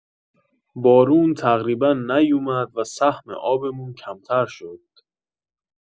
بارون تقریبا نیومد و سهم آبمون کمتر شد.